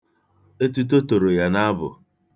Etuto toro ya n'abụ.